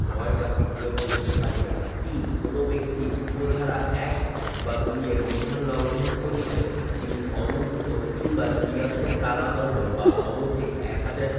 ক্রয় বা বিক্রয় করিতে পারিবে না ৩ কোন ব্যক্তি উপ ধারা ১ বা ২ এর বিধান লংঘন করিলে তিনি অনূর্ধ্ব তিনমাস বিনাশ্রম কারাদন্ড বা অনধিক এক হাজার